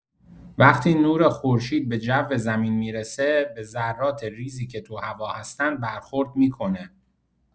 وقتی نور خورشید به جو زمین می‌رسه، به ذرات ریزی که تو هوا هستن برخورد می‌کنه.